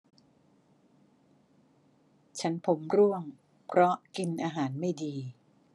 ฉันผมร่วงเพราะกินอาหารไม่ดี